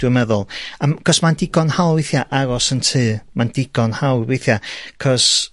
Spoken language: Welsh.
dwi'n meddwl. Ymm 'c'os mae'n digon hawdd ie aros yn tŷ. Mae'n digon hawdd weithia'. 'C'os